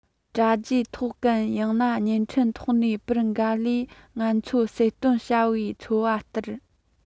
དྲ རྒྱའི ཐོག གམ ཡང ན བརྙན འཕྲིན ཐོག ནས པར འགའ ལས ང ཚོར གསལ སྟོན བྱ པའི ཚོར བ སྟེར